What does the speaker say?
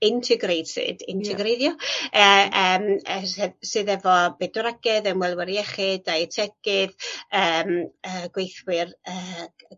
intergrated. Integereiddio? Yy yym sydd efo bydwragedd ymwelwyr iechyd dietegydd yym yy gweithwyr yy gy- yy